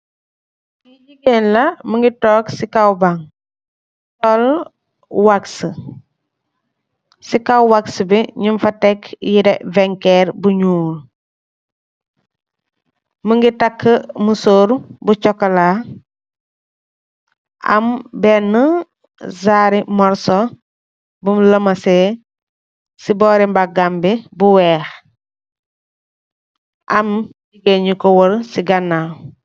Ki jiggéen la mogi toog ci kow bang sol wax ci kow wax bi nung fa tekk yere venkeer bu ñuul mogi takka musóor bu cokola am benn zaari morso bu lomasee ci boori mbaggam bi bu weex am jigeen yuko wor ci gànnaaw.